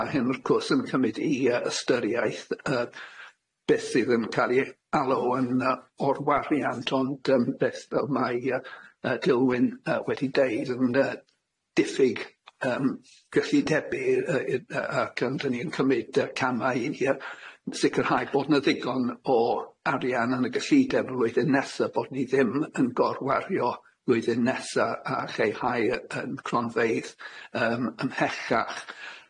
ma' hyn wrth gwrs yn cymyd i yy ystyriaeth yy beth sydd yn cael ei alw yn yy orwariant ond yym beth fel mae yy yy Dilwyn yy wedi deud yn yy diffyg yym gyllidebu yy yy ac yym da ni'n cymryd yy camau i yy sicrhau bod na ddigon o arian yn y gyllideb flwyddyn nesa bod ni ddim yn gorwario flwyddyn nesa a lleihau yy ein cronfeydd yym ymhellach.